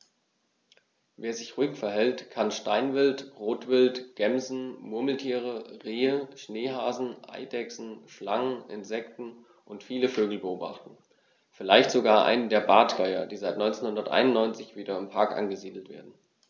Wer sich ruhig verhält, kann Steinwild, Rotwild, Gämsen, Murmeltiere, Rehe, Schneehasen, Eidechsen, Schlangen, Insekten und viele Vögel beobachten, vielleicht sogar einen der Bartgeier, die seit 1991 wieder im Park angesiedelt werden.